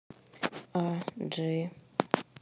а j